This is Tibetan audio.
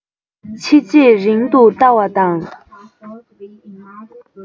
ཕྱི རྗེས རིང དུ ལྟ བ དང